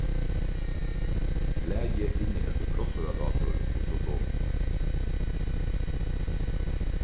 blaðið inniheldur krossorðagátur og sudoku